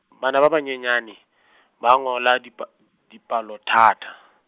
bana ba banyenyane , ba ngola dipa-, dipalo thata.